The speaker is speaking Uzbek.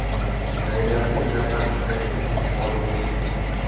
zaynabning nafasi qaytib hovliga chiqdi